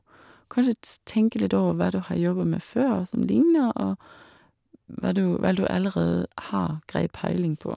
Kanskje ts tenke litt over hva du har jobba med før, som ligner, og hva du hva du allerede har grei peiling på.